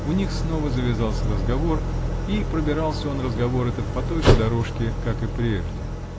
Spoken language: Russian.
У них снова завязался разговор, и пробирался он, разговор этот, по той же дорожке, как и прежде